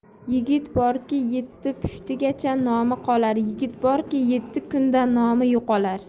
yigit borki yetti pushtigacha nomi qolar yigit borki yetti kunda nomi yo'qolar